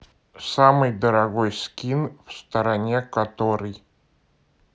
самый дорогой скин в стороне который